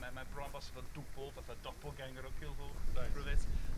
Mae mae bron fel sa fe dwbl, fatha doppelganger o Culhwch... Reit. ...proove it.